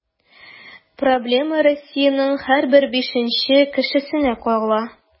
Проблема Россиянең һәр бишенче кешесенә кагыла.